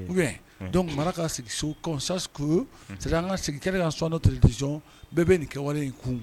G don mara ka sigi so kɔ saku sariya an ka sigikɛ ka sɔn dɔ tiletisɔn bɛɛ bɛ nin kɛwale in kun